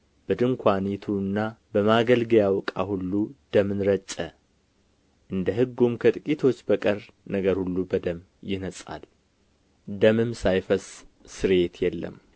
በድንኳኒቱና በማገልገያው ዕቃ ሁሉ ደምን ረጨ እንደ ሕጉም ከጥቂቶች በቀር ነገር ሁሉ በደም ይነጻል ደምም ሳይፈስ ስርየት የለም